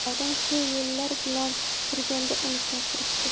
davron shu o'ylar bilan turganda uni chaqirishdi